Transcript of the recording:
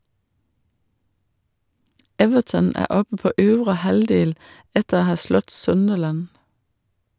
Everton er oppe på øvre halvdel, etter å ha slått Sunderland.